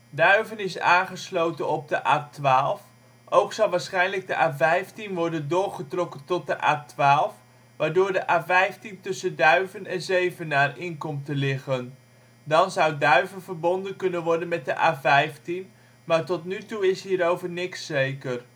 Duiven is aangesloten op de A12. Ook zal waarschijnlijk de A15 worden doorgetrokken tot de A12, waardoor de A15 tussen Duiven en Zevenaar in komt te liggen. Dan zou Duiven verbonden kunnen worden met de A15. Maar tot nu toe is hierover niks zeker